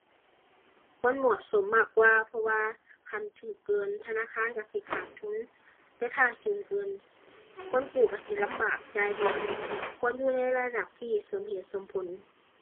ควรเหมาะสมมากกว่าเพราะว่าคันถูกเกินธนาคารถูกสิขาดทุน แต่ถ้าสูงเกินคนกู้ถูกสิลำบาก จ่ายบ่ไหว ควรอยู่ในระดับที่สมเหตุสมผล